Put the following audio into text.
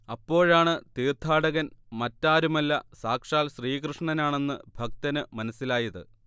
അപ്പോഴാണ് തീർത്ഥാടകൻ മറ്റാരുമല്ല സാക്ഷാൽ ശ്രീകൃഷ്ണനാണെന്ന് ഭക്തന് മനസ്സിലായത്